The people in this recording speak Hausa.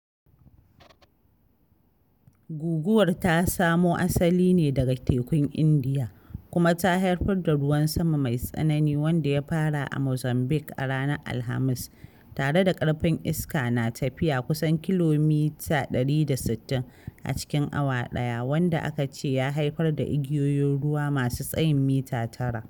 Guguwar ta samo asali ne daga Tekun Indiya, kuma ta haifar da ruwan sama mai tsanani wanda ya fara a Mozambique a ranar Alhamis, tare da ƙarfin iska na tafiyar kusan kilomita 160 a cikin awa ɗaya, wanda aka ce ya haifar da igiyoyin ruwa masu tsayin mita 9.